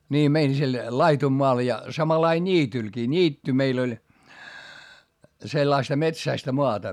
niin meidän sillä laidunmaalla ja samanlainen niitylläkin niitty meillä oli sellaista metsäistä maata